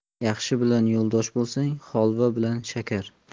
yaxshi bilan yo'ldosh bo'lsang holva bilan shakar